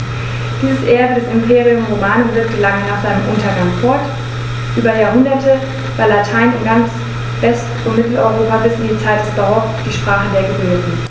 Dieses Erbe des Imperium Romanum wirkte lange nach seinem Untergang fort: Über Jahrhunderte war Latein in ganz West- und Mitteleuropa bis in die Zeit des Barock die Sprache der Gebildeten.